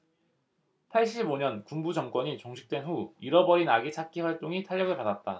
팔십 오 년 군부 정권이 종식된 후 잃어버린 아기 찾기 활동이 탄력을 받았다